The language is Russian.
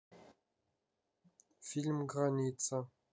фильм граница